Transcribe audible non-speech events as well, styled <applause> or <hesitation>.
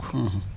<hesitation> <hesitation>